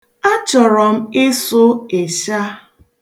Achọrọ m ịsụ ịsha.